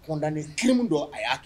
Condamné crime don a y'a kɛ